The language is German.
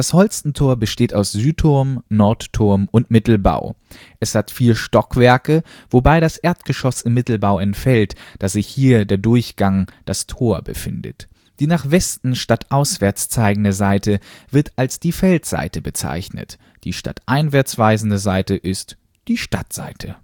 Holstentor besteht aus Südturm, Nordturm und Mittelbau. Es hat vier Stockwerke, wobei das Erdgeschoss im Mittelbau entfällt, da sich hier der Durchgang (das Tor) befindet. Die nach Westen (stadtauswärts) zeigende Seite wird als die Feldseite bezeichnet; die stadteinwärts weisende Seite ist die Stadtseite